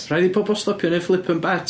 Rhaid i pobl stopio wneud flippant bet.